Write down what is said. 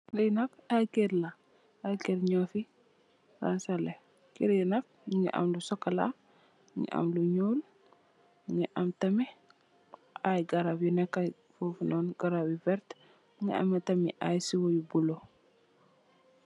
Li nak ay kër la, ay kër nung fi rangsalè. Kër yi nak nungi am lu sokola, nungi am lu ñuul, nungi tamit ay garab yu nekka fofunoon garab yu vert. mungi ameh tamit ay soo yu bulo.